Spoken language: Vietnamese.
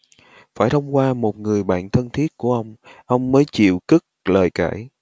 phải thông qua một người bạn thân thiết của ông ông mới chịu cất lời kể